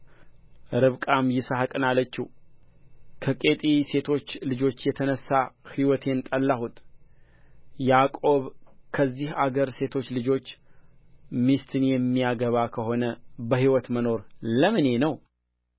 ርብቃም ይስሐቅን አለችው ከኬጢ ሴቶች ልጆች የተነሣ ሕይወቴን ጠላሁት ያዕቆብ ከዚህ አገር ሴቶች ልጆች ሚስትን የሚያገባ ከሆነ በሕይወት መኖር ለምኔ ነው